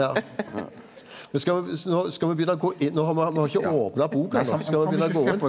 ja men skal me nå skal me begynna å gå inn nå har me har ikkje opna boka ennå skal me begynna å gå inn?